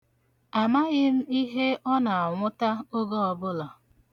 Amaghị m ihe ọ na-nwụta oge ọbụla.